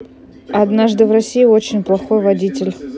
однажды в россии очень плохой водитель